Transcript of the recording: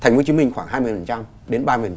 thành phố hồ chí minh khoảng hai mươi phần trăm đến ba mươi